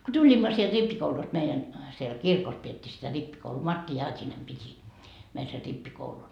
kun tulimme sieltä rippikoulusta meidän siellä siellä kirkossa pidettiin sitä rippikoulua Martti Jaatinen piti meille sen rippikoulun